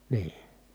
niin